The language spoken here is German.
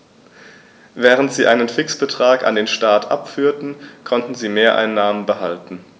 Während sie einen Fixbetrag an den Staat abführten, konnten sie Mehreinnahmen behalten.